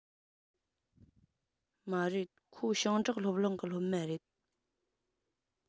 མ རེད ཁོ ཞིང འབྲོག སློབ གླིང གི སློབ མ རེད